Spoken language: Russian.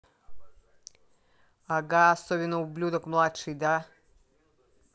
ага особенно ублюдок младший да